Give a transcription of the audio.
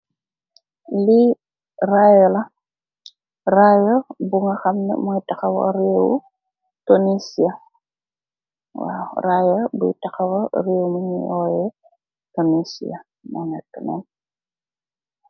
Li raya la, raya bi nga xamneh moy taxaw rewo Tonissiya.